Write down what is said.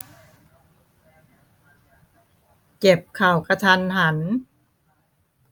เจ็บเข่ากะทันหัน